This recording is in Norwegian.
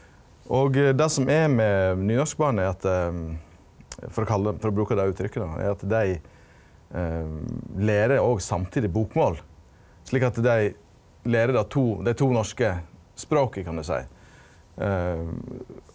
og det som er med nynorskbarn er at for å for å bruka det uttykket då er at dei lærer òg samtidig bokmål slik at dei lærer då to dei to norske språka kan du sei .